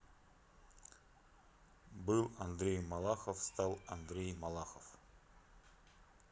был андрей малахов стал андрей малахов